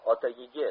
ota yigit